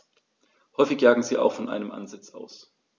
Häufig jagen sie auch von einem Ansitz aus.